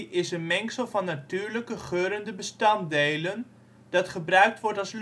is een mengsel van natuurlijke geurende bestanddelen, dat gebruikt wordt als